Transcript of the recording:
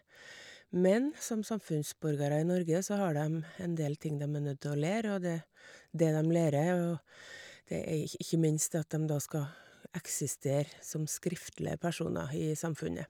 Men som samfunnsborgere i Norge så har dem en del ting dem er nødt til å lære, og det det dem lærer å det er ikj ikke minst at dem da skal eksistere som skriftlige personer i samfunnet.